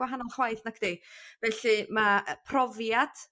gwahanol chwaith nacdi? Felly ma' yy profiad